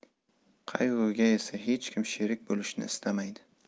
qayg'uga esa hech kim sherik bo'lishni istamaydi